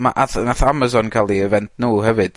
ma' ath nathAmazon ca'l 'i event nw hefyd...